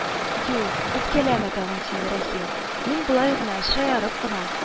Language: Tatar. Юк, үпкәләмә тагын син, Рәхим, мин болай гына, шаярып кына